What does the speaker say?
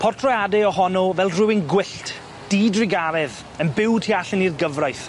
Portreade ohono fel rywun gwyllt, di-drugaredd, yn byw tu allan i'r gyfraith.